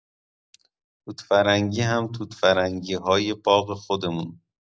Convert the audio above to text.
توت‌فرنگی هم توت‌فرنگی‌های باغ خودمون.